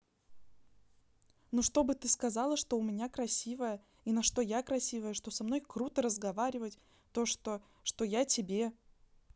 ну чтобы ты сказала что у меня красивая и на что я красивая что со мной круто разговаривать то что что я тебе